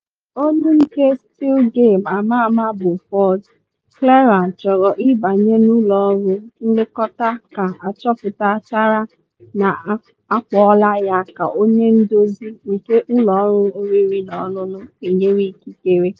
Onye nke Still Game ama ama bụ Ford Kieran chọrọ ịbanye n’ụlọ ọrụ nlekọta ka achọpụtachara na akpọọla ya ka onye nduzi nke ụlọ ọrụ oriri na ọṅụṅụ enyere ikikere.